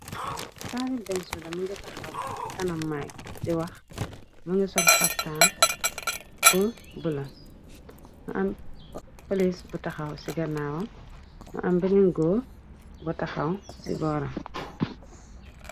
taali bensuda mi ngi taxaw ci kanam mak di wax më ngi sol xabtaan bu bula ma am polis bu taxaw ci gannawa mu am berin góor bu taxaw ci booram